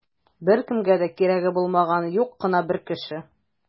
Беркемгә дә кирәге булмаган юк кына бер кеше.